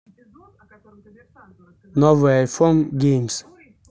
новый айфон геймс